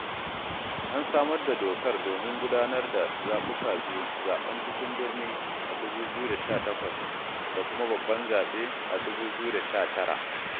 An samar da dokar domin gudanar da zaɓuka biyu - zaɓen cikin birni a 2018 da kuma babban zaɓe a 2019.